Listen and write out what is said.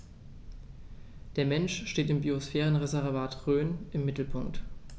Der Mensch steht im Biosphärenreservat Rhön im Mittelpunkt.